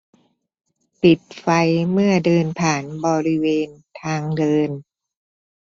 ปิดไฟเมื่อเดินผ่านบริเวณทางเดิน